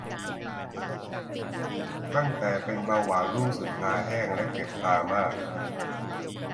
ตั้งแต่เป็นเบาหวานรู้สึกตาแห้งและเจ็บตามาก